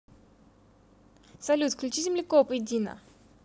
салют включи землекоп идина